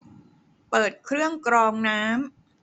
เปิดเครื่องกรองน้ำ